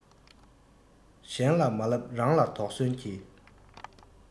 གཞན ལ མ ལབ རང ལ དོགས ཟོན གྱིས